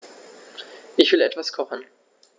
Ich will etwas kochen.